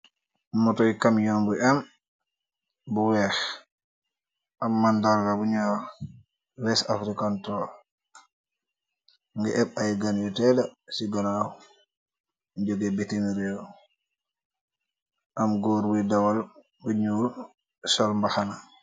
motuy kamiyoon bu emm bu weex am màndàrga bu ñyo wakh west african truck mungi epp ay gan yu tedda ci ganaaw jugay bitim réew am góor buuy dawal bu ñyul sol mbaxana